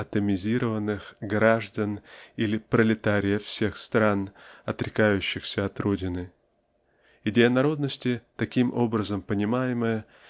атомизированных "граждан" или "пролетариев всех стран" отрекающихся от родины. Идея народности таким образом понимаемая